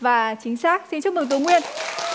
và chính xác xin chúc mừng tú nguyên